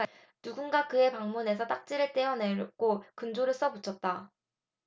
누군가 그의 방문에서 딱지를 떼어내고 근조를 써 붙였다